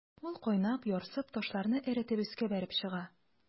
Ул кайнап, ярсып, ташларны эретеп өскә бәреп чыга.